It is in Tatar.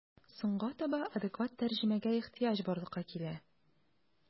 Соңга таба адекват тәрҗемәгә ихҗыяҗ барлыкка килә.